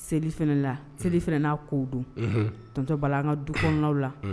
Selila seli fana n'a k'o don t b' la an ka dukw la